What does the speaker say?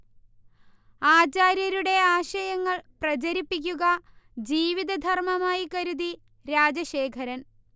ആചാര്യരുടെ ആശയങ്ങൾ പ്രചരിപ്പിക്കുക ജീവിതധർമമായി കരുതി രാജശേഖരൻ